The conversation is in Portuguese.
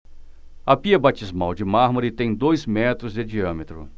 a pia batismal de mármore tem dois metros de diâmetro